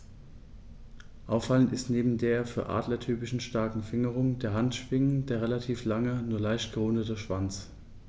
Auffallend ist neben der für Adler typischen starken Fingerung der Handschwingen der relativ lange, nur leicht gerundete Schwanz.